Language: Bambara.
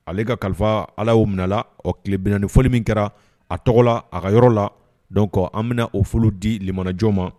Ale ka kalifa ala ye' minɛ o tilebna ni fɔ min kɛra a tɔgɔ la a ka yɔrɔ la dɔn kɔ an bɛna ofolo di manaj ma